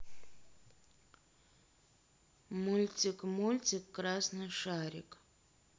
мультик мультик красный шарик